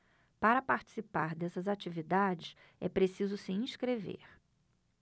para participar dessas atividades é preciso se inscrever